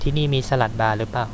ที่นี่มีสลัดบาร์หรือเปล่า